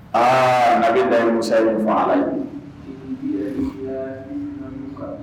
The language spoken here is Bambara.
Aa a bɛ musosa fɔ ala